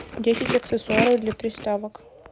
десять аксессуаров для приставок